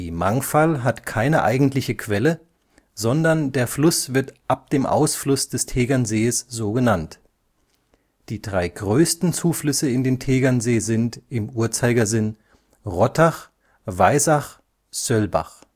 Mangfall hat keine eigentliche Quelle, sondern der Fluss wird ab dem Ausfluss des Tegernsees so genannt. Die drei größten Zuflüsse in den Tegernsee sind (im Uhrzeigersinn) Rottach, Weißach, Söllbach